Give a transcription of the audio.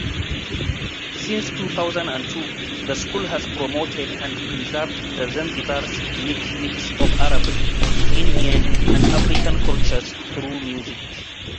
Since 2002, the school has promoted and preserved the Zanzibar's unique mix of Arab, Indian and African cultures through music.